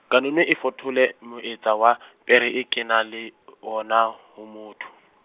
kanono e fothole, moetse wa , pere e kene le, wona ho motho.